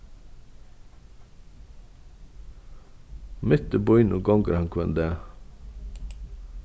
mitt í býnum gongur hann hvønn dag